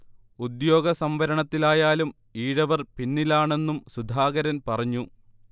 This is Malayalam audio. ഉദ്യോഗ സംവരണത്തിലായാലും ഈഴവർ പിന്നിലാണെന്നും സുധാകരൻ പറഞ്ഞു